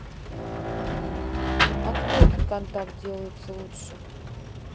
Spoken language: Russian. а кто этот контакт делается лучше